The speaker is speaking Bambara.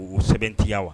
Uu sɛbɛn tɛya wa